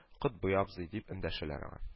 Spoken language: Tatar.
Котбый абзый! — дип эндәшәләр аңа